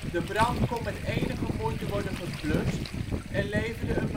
De brand kon met enige moeite worden geblust en leverde